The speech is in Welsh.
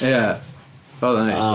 Ia, oedd o'n neis... O.